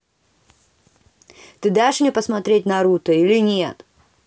ты дашь мне посмотреть наруто или нет